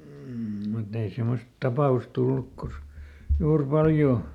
mm mutta ei semmoista tapausta tullut - juuri paljoa